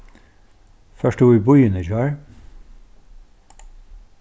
fórt tú í býin í gjár